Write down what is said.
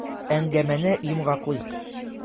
Әңгәмәне йомгаклыйк.